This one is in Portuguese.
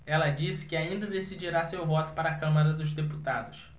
ela disse que ainda decidirá seu voto para a câmara dos deputados